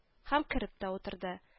Һәм кереп тә утырды